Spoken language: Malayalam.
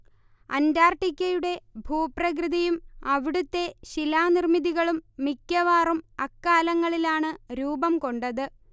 അന്റാർട്ടിക്കയുടെ ഭൂപ്രകൃതിയും അവിടുത്തെ ശിലാനിർമ്മിതികളും മിക്കവാറും അക്കാലങ്ങളിലാണ് രൂപം കൊണ്ടത്